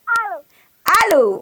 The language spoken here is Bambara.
Hali